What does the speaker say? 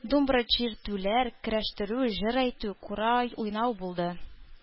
Думбра чиртүләр, көрәштерү, җыр әйтү, курай уйнау булды.